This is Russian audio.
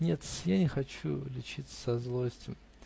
Нет-с, я не хочу лечиться со злости.